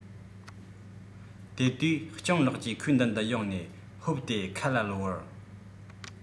དེ དུས སྤྱང ལགས ཀྱིས ཁོའི མདུན དུ ཡོང ནས ཧོབ སྟེ ཁ ལ གློ བུར